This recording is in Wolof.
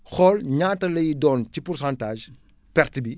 xool ñaata lay doon ci pourcentage perte bi